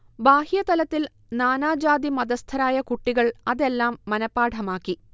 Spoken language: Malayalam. ബാഹ്യതലത്തിൽ നാനാ ജാതി-മതസ്ഥരായ കുട്ടികൾ അതെല്ലാം മനപ്പാഠമാക്കി